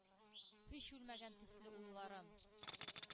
Һич үлмәгән төсле улларым,